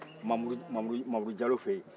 mamuru jalo fɛ yen